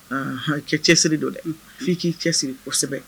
Aa cɛ cɛ siri don dɛ' k'i cɛ siri kosɛbɛ